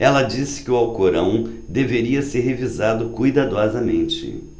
ela disse que o alcorão deveria ser revisado cuidadosamente